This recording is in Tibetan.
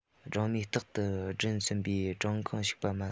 སྦྲང མས རྟག ཏུ བསྐྲུན ཟིན པའི སྦྲང ཁང བཤིག པ མ ཟད